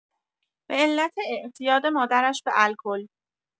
به‌علت اعتیاد مادرش به الکل